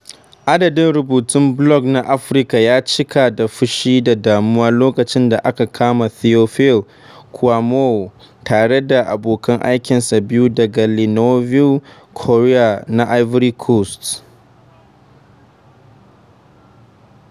Dandalin rubutun blog na Afirka ya cika da fushi da damuwa lokacin da aka kama Théophile Kouamouo tare da abokan aikinsa biyu daga Le Nouveau Courrier na Ivory Coast.